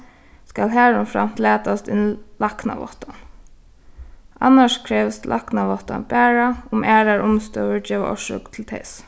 skal harumframt latast inn læknaváttan annars krevst læknaváttan bara um aðrar umstøður geva orsøk til tess